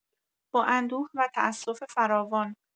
با اندوه و تاسف فراوان